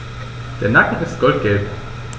Der Nacken ist goldgelb.